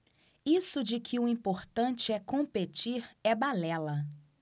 isso de que o importante é competir é balela